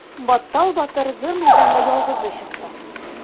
Баттал батыр зур мәйданга ялгызы чыкты.